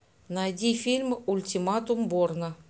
найди фильм ультиматум борна